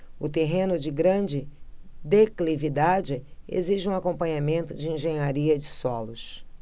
o terreno de grande declividade exige um acompanhamento de engenharia de solos